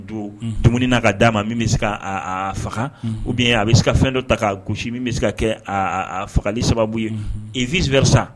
Don dumuni faga o bɛ a bɛ se ka fɛn dɔ ta' gosi min bɛ se ka kɛ fagali sababu ye v sa